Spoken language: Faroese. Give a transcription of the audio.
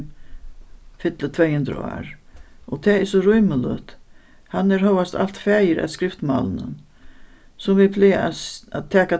fyllir tvey hundrað ár og tað er so rímiligt hann er hóast alt faðir at skriftmálinum sum vit plaga at at taka